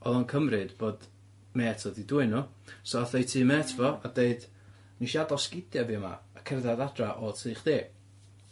o'dd o'n cymryd bod mêt o;dd 'di dwyn nw so ath o i tŷ mêt fo a deud, nes i adal sgidia' fi yma a cerddad adra o tŷ chdi?